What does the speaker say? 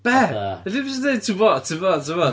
Be... Tibod. ...fatha, fedri di ddim jyst deud "tibod tibod tibod".